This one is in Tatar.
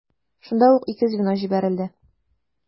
Шунда ук ике звено җибәрелде.